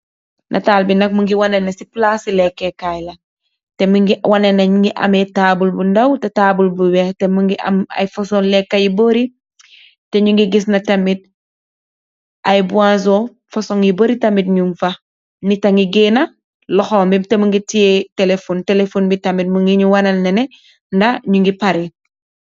Natal bi nk mungy woneh neh ci palasi lekeh kaii la, teh mingui woneh neh njii ngii ameh taabul bu ndaw teh taabul bu wekh teh mungui amm iiy fason leka yii baurii, teh nju ngi gisneh tamit iiy boisson fason yu bari tamit nung fa, nitt tah ngi genah lokhom bi teh mungy tiyeh telephone, telephone bi tamit mungy nju wonel neh neh ndah nju ngui pareh.